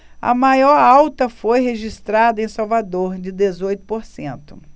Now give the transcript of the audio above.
a maior alta foi registrada em salvador de dezoito por cento